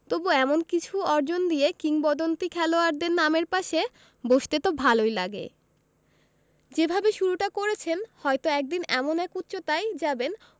তবু এমন কিছু অর্জন দিয়ে কিংবদন্তি খেলোয়াড়দের নামের পাশে বসতে তো ভালোই লাগে যেভাবে শুরুটা করেছেন হয়তো একদিন এমন এক উচ্চতায় যাবেন